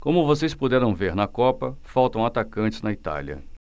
como vocês puderam ver na copa faltam atacantes na itália